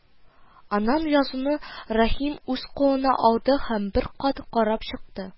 Аннан язуны Рәхим үз кулына алды һәм бер кат карап чыкты